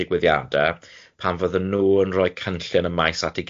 digwyddiade, pan fydden nhw yn rhoi cynllun y maes at ei gilydd